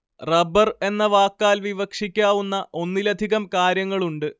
rubber എന്ന വാക്കാൽ വിവക്ഷിക്കാവുന്ന ഒന്നിലധികം കാര്യങ്ങളുണ്ട്